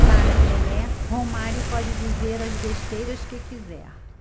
para pelé romário pode dizer as besteiras que quiser